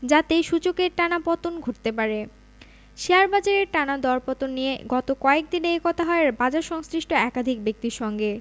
যাতে সূচকের টানা পতন ঘটতে পারে শেয়ার বাজারের টানা দরপতন নিয়ে গত কয়েক দিনে কথা হয় বাজারসংশ্লিষ্ট একাধিক ব্যক্তির সঙ্গে